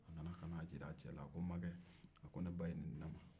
a nana ka na jira a cɛ la ko makɛ ne ba ye nin i ne ma